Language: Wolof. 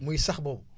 muy sax boobu